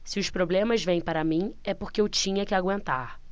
se os problemas vêm para mim é porque eu tinha que aguentar